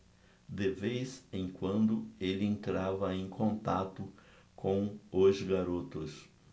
de vez em quando ele entrava em contato com os garotos